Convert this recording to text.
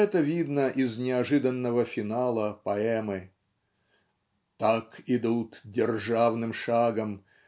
это видно из неожиданного финала поэмы Так идут державным шагом